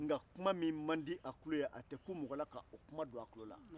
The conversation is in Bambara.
nka kuma min man di a tulo ye a te kun mɔgɔ la ka o kuma don a tulo la